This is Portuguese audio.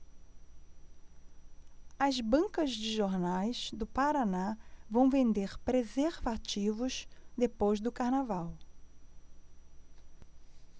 as bancas de jornais do paraná vão vender preservativos depois do carnaval